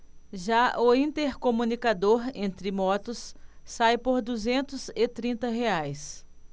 já o intercomunicador entre motos sai por duzentos e trinta reais